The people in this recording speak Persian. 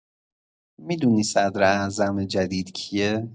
می‌دونی صدراعظم جدید کیه؟